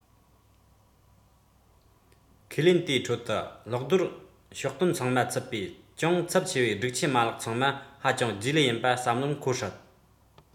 ཁས ལེན དེའི ཁྲོད དུ གློག རྡུལ ཕྱོགས སྟོན ཚང མ ཚུད པའི ཅུང ཚབས ཆེ བའི སྒྲིག ཆས མ ལག ཚང མ ཧ ཅང རྗེས ལུས ཡིན པ བསམ བློར འཁོར སྲིད